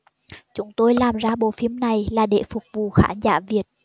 chúng tôi làm ra bộ phim này là để phục vụ khán giả việt